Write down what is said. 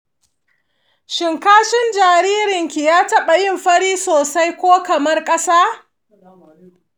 shin kashin jaririnki ya tabayin fari sosai ko kamar kasa?